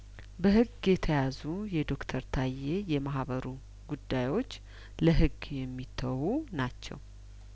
በህግ የተያዙት የዶክተር ታዬ የማህበሩ ጉዳዮች ለህግ የሚተዉ ናቸው